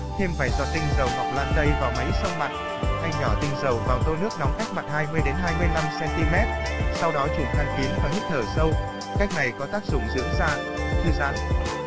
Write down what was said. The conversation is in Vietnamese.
thêm vài giọt tinh dầu ngọc lan tây vào máy xông mặt hay nhỏ tinh dầu vào tô nước nóng cách mặt cm sau đó trùm khăn kín và hít thở sâu cách này có tác dụng dưỡng da thư giãn